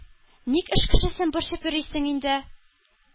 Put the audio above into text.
Ник эш кешесен борчып йөрисең инде?” –